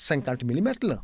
cinqante milimètres la